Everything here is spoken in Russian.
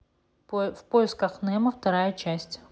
в поисках немо вторая часть